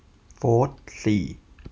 โฟธสี่